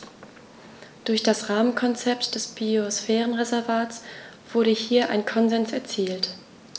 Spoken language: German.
Durch das Rahmenkonzept des Biosphärenreservates wurde hier ein Konsens erzielt.